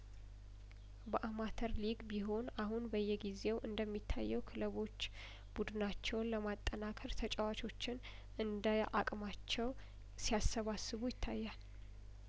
በአማተር ሊግ ቢሆን አሁን በየጊዜው እንደሚታየው ክለቦች ቡድናቸውን ለማጠናከር ተጫዋቾችን እንደ አቅማቸው ሲያሰባስቡ ይታያል